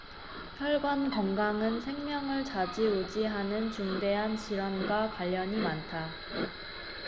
혈관 건강은 생명을 좌지우지하는 중대한 질환과 관련이 많다